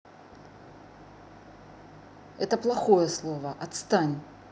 это плохое слово отстань